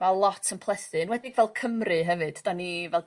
...ma' lot yn plethu enwedig fel Cymry hefyd 'dan ni fel...